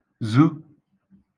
zu